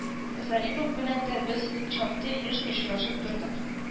Зарипов белән дә без шактый еш очрашып тордык